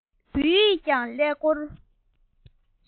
བོད ཡིག ཀྱང ཀླད ཀོར